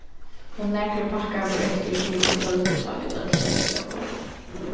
og nakrir pakkar vóru eftir til um kvøldið tá vit øll settu okkum